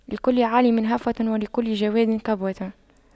لكل عالِمٍ هفوة ولكل جَوَادٍ كبوة